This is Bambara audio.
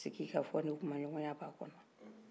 siginkafɔ ni kuma ɲɔgɔn ya b'a kɔnɔ